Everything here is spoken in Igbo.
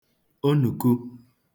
onùku